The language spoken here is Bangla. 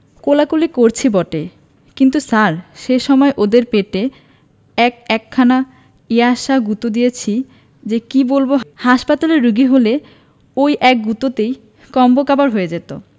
কোলাকুলি করেছি বটে কিন্তু স্যার সে সময় ওদের পেটে এক একখানা ইয়া়সা গুঁতো দিয়েছি যে কি বলব হাসপাতালের রোগী হলে ঐ এক গুঁতোতেই কন্মকাবার হয়ে যেত